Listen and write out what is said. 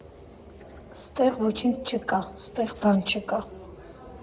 Ստեղ ոչինչ չկա, ստեղ բան չկա։